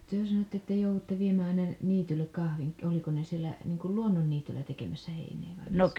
te sanoitte että joudutte viemään aina niitylle kahvin oliko ne siellä niin kuin luonnonniityllä tekemässä heinää vai missä